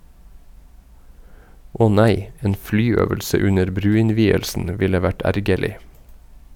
Åh nei, en flyøvelse under bruinnvielsen ville vært ergerlig.